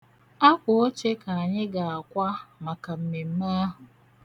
Akwooche ka anyị ga-akwa maka mmemme ahụ.